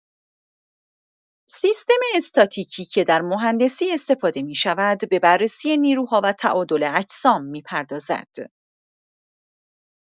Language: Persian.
سیستم استاتیکی که در مهندسی استفاده می‌شود، به بررسی نیروها و تعادل اجسام می‌پردازد.